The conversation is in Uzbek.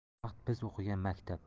vaqt biz o'qigan maktab